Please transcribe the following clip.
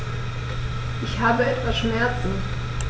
Ich habe etwas Schmerzen.